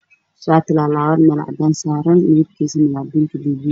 Waa shaati laalaaban oo meel cadaan ah saaran midabkiisu waa bingi biyobiyo ah.